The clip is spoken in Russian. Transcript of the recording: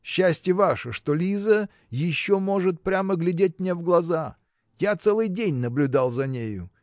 Счастье ваше, что Лиза еще может прямо глядеть мне в глаза я целый день наблюдал за нею.